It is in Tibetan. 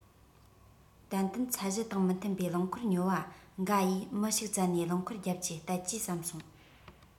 ཏན ཏན ཚད གཞི དང མི མཐུན པའི རླངས འཁོར ཉོ བ འགའ ཡིས མི ཞིག བཙལ ནས རླངས འཁོར རྒྱབ ཀྱི གཏད ཇུས བསམ སོང